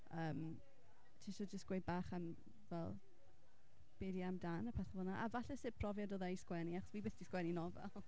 yym ti isie jyst gweud bach am, fel be 'di e amdan a pethe fel 'na? A falle sut brofiad oedd e i sgwennu, achos fi byth 'di sgwennu nofel.